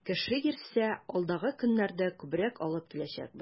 Кеше йөрсә, алдагы көннәрдә күбрәк алып киләчәкбез.